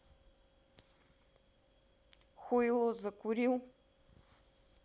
хуйло закурил